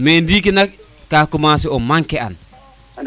ndiki naka ka commencer o manquer an